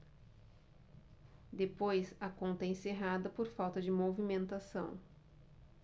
depois a conta é encerrada por falta de movimentação